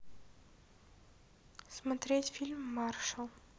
смотреть фильм маршал